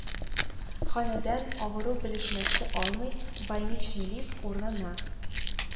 Ханәдән авыру белешмәсе алмый «больничный лист» урынына